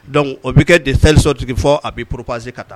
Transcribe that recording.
Donc o bɛ kɛ de telle sorte fɔ a bi peopager ka taa.